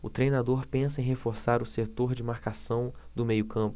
o treinador pensa em reforçar o setor de marcação do meio campo